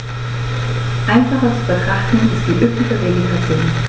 Einfacher zu betrachten ist die üppige Vegetation.